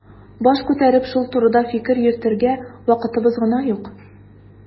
Баш күтәреп шул турыда фикер йөртергә вакытыбыз гына юк.